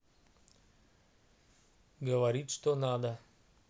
говорит что надо